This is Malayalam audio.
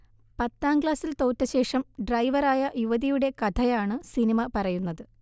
പത്താംക്ലാസിൽ തോറ്റശേഷം ഡ്രൈവറായ യുവതിയുടെ കഥയാണ് സിനിമ പറയുന്നത്